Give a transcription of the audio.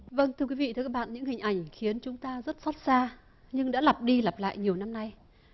vâng thưa quý vị thưa các bạn những hình ảnh khiến chúng ta rất xót xa nhưng đã lặp đi lặp lại nhiều năm nay